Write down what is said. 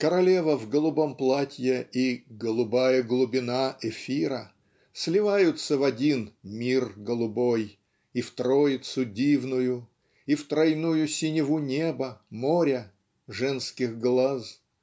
Королева в голубом платье и "голубая глубина" эфира сливаются в один "мир голубой" и в троицу дивную в тройную синеву неба моря. женских глаз.